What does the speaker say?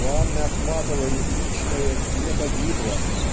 У Анны Ахматовой личное не погибло